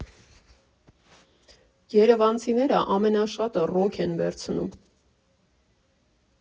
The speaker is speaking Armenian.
Երևանցիները ամենաշատը ռոք են վերցնում։